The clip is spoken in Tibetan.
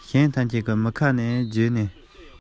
ཁྱིམ གྱི རྒན མོས འཚམས འདྲིའི